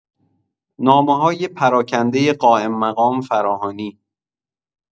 نامه‌های پراکنده قائم‌مقام فراهانی